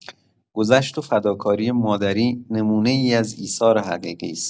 گذشت و فداکاری مادری نمونه‌ای از ایثار حقیقی است.